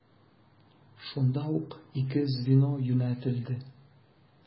Шунда ук ике звено юнәтелде.